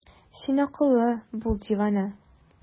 Син акыллы, бул дивана!